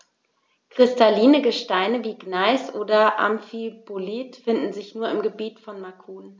Kristalline Gesteine wie Gneis oder Amphibolit finden sich nur im Gebiet von Macun.